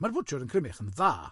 Ma'r bwtsiwr yn Crymych yn dda.